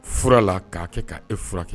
Fura la k'a kɛ k' e furakɛ kɛ